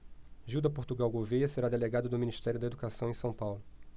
gilda portugal gouvêa será delegada do ministério da educação em são paulo